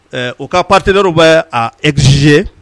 Ɛɛ o ka paterba ye ɛgz ye